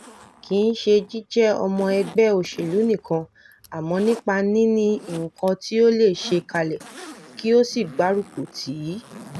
Kìí ṣe jíjẹ́ ọmọ ẹgbẹ́ òṣèlú nìkan, àmọ́ nípa níní nǹkan tí ó lè ṣe kalẹ̀, kí ó sì gbárùkù tì í.